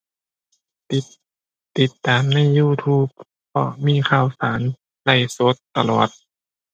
ติด ติดตามใน YouTube เพราะมีข่าวสาร live สด ตลอด